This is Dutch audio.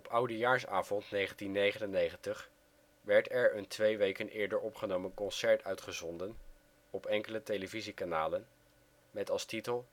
oudejaarsavond 1999 werd er een twee weken eerder opgenomen concert uitgezonden op enkele televisiekanalen met als titel